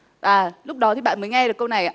à lúc đó thì bạn mới nghe được câu này ạ